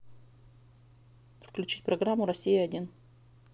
включить программу россия один